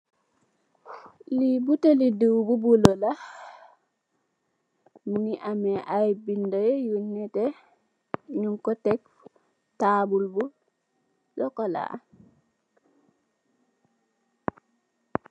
Li butel diw bu bulu la mingi amme ay bind yu nete nuko teh ci taabul bu sokola.